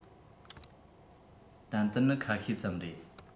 ཏན ཏན ནི ཁ ཤས ཙམ རེད